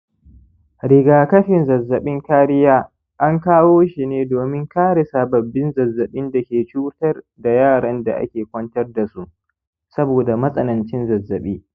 rigakafin zazzabin kariya ankawoshi ne domin kare sababbin zazzabin da ke cutar da yaranda ake kwantar dasu saboda matsanancin zazzabi